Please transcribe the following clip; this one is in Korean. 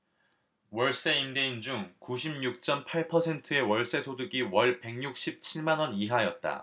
월세 임대인 중 구십 육 쩜 팔 퍼센트의 월세소득이 월 백 육십 칠 만원 이하였다